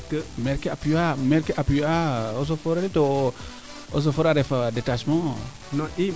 maire ke appuyer a maire ke appuyer a eaux et foret le to eaux et foret a ref detachement